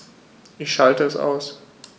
Ich schalte es aus.